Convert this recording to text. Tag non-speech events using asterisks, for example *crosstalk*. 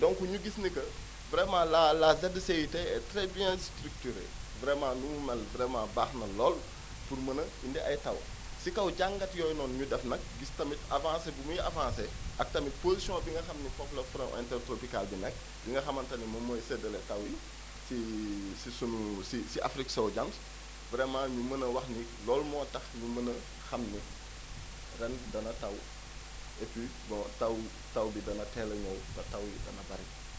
donc ñu gis ni que vraiment la la ZCIT est très bien structurée vraiment ni mu mel vraiment baax na lool pour mën a indi ay taw si kaw jàngat yooyu noonu ñu def nag gis tamit avancé bu muy avancé ak tamit position bi nga xam ni foofu la frond intertropicale bi nekk bi nga xamante ni moom mooy seddale taw yi ci *hesitation* ci sunu si si Afrique sowu jant vraiment ñu mën a wax ni loolu moo tax ñu mën a xam ni ren dana taw et puis bon taw taw bi dana teel a ñëw te taw yi dana bëri